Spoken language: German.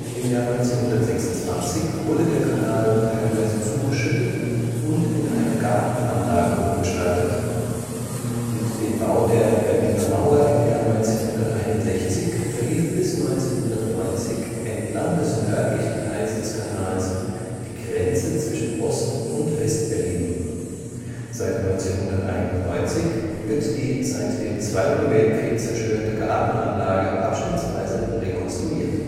Im Jahr 1926 wurde der Kanal teilweise zugeschüttet und in eine Gartenanlage umgestaltet. Mit dem Bau der Berliner Mauer im Jahr 1961 verlief bis 1990 entlang des nördlichen Teils des Kanals die Grenze zwischen Ost - und West-Berlin. Seit 1991 wird die seit dem Zweiten Weltkrieg zerstörte Gartenanlage abschnittsweise rekonstruiert